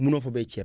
mënoo fa bay ceeb